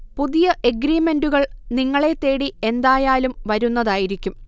പുതിയ എഗ്രീമ്ന്റുകൾ നിങ്ങളെ തേടി എന്തായാലും വരുന്നതായിരിക്കും